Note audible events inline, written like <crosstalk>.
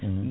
<hesitation> <hesitation>